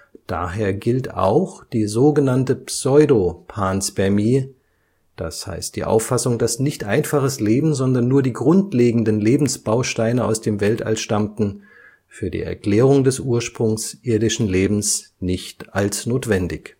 Daher gilt auch die so genannte Pseudo-Panspermie, das heißt die Auffassung, dass nicht einfaches Leben, sondern nur die grundlegenden Lebensbausteine (organischen Verbindungen) aus dem Weltall stammen, für die Erklärung des Ursprungs irdischen Lebens nicht als notwendig